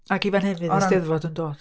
Ac i fan hyn fydd y Steddfod yn dod.